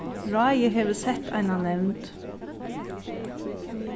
ráðið hevur sett eina nevnd